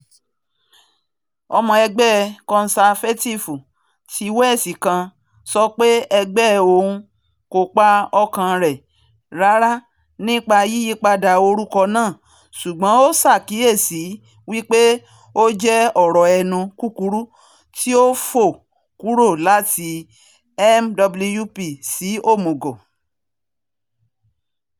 Ọmọ ẹgbẹ́ Conservative ti Welsh kan sọpé ẹgbẹ́ òun “kò pa ọkàn rẹ rárá” nípa yíyípadà orúkọ náà, ṣùgbọ́n ó ṣàkíyèsí wípé ó jẹ́ ọ̀rọ̀ ẹnu kúkúrú ti ó fò kúrò láti MWP sí Omugọ.